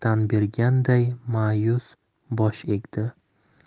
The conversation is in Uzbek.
tan berganday ma'yus bosh egdi